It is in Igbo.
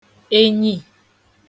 enyī